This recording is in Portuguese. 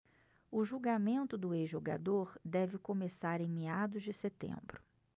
o julgamento do ex-jogador deve começar em meados de setembro